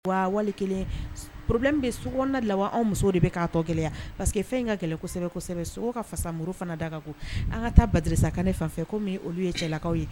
Waa walikelen s problème be sugu kɔɔna de la waa anw musow de be k'a tɔ gɛlɛya parce que fɛn in ka gɛlɛn kosɛbɛ-kosɛbɛ sogo ka fasan muru fana da ka go an ŋa taa Badrissa Kane fanfɛ comme olu ye cɛlakaw ye